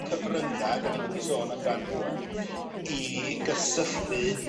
cyfrynga 'dan ni'n mynd i sôn amdan rŵan i gysylltu